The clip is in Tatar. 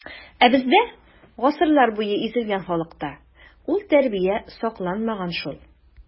Ә бездә, гасырлар буе изелгән халыкта, ул тәрбия сакланмаган шул.